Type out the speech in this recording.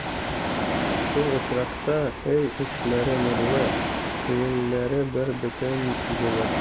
Шул очракта өй эчләре нурлы, күңелләре бербөтен булыр.